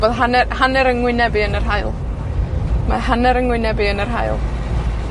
bod hanner, hanner yng ngwyneb i yn yr haul. Mae hanner yng ngwyneb i yn yr haul.